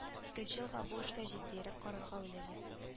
Икенче елга бу эшкә җитдиерәк карарга уйлыйбыз